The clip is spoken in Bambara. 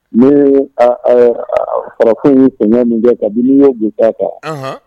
Ni kɔrɔfɔ kunnafoni ye fɛn min kɛ ka di yeo bɛta kan